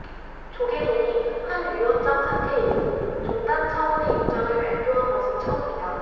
조계종이 한 위원장 사태 이후 종단 차원의 입장을 발표한 것은 처음이다